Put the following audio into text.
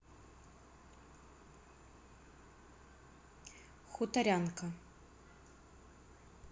хуторянка